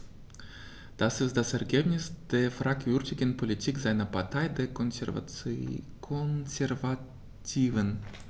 Das ist das Ergebnis der fragwürdigen Politik seiner Partei, der Konservativen.